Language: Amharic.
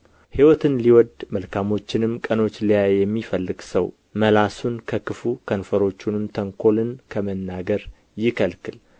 ሕይወትን ሊወድ መልካሞችንም ቀኖች ሊያይ የሚፈልግ ሰው መላሱን ከክፉ ከንፈሮቹንም ተንኰልን ከመናገር ይከልክል